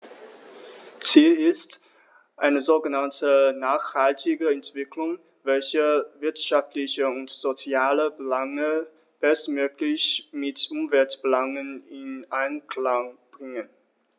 Ziel ist eine sogenannte nachhaltige Entwicklung, welche wirtschaftliche und soziale Belange bestmöglich mit Umweltbelangen in Einklang bringt.